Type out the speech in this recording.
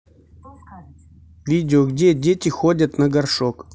видео где дети ходят на горшок